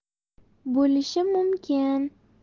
bo'lishi mumkin